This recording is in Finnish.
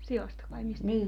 sioista vai mistä